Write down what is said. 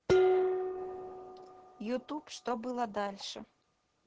ютуб что было дальше